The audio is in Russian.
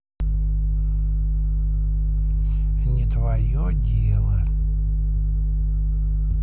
не твое дело